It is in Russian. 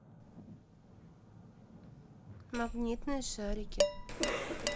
магнитные шарики